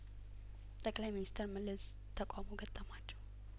ጠቅለይ ሚንስተር መለስ ተቃውሞ ገጠማቸው